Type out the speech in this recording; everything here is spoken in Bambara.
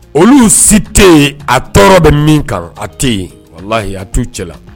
Olu si tɛ yen, a tɔɔrɔ bɛ min kan, a tɛ yen. Walahi a t'u cɛla la.